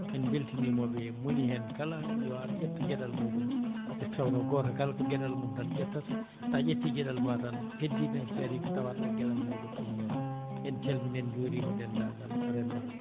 en mbeltaniima ɓe mo woni heen kala yo ar ƴetta geɗal mum nde tawnao gooto kala ko geɗal mum tan ƴettata so a ƴettii geɗal maa tan heddiɓe ɓee ne so arii tawat ɗon geɗal mumen ne ɗon en calminii en njuuriima denndaangal remooɓe